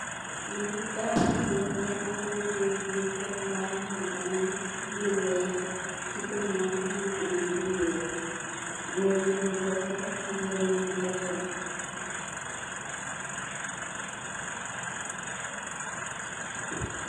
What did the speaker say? Li daali gòor la, daali gòor bu sokola mungi ameh lu weeh. Ci gannawam mungi ameh lu weeh gòor mun na ko sol, jigéen mun na ko sol.